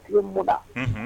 I ye munda